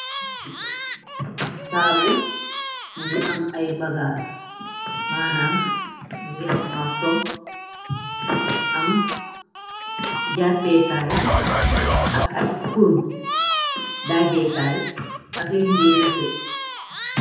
Taabul mu ngi am ay bagaas maanam mu ngi am marto am jappekaay ak ay punte daajeekaay ak lindi naté.